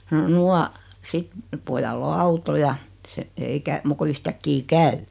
no nuo sitten pojalla on auto ja se ei - muuta kuin yhtäkkiä käy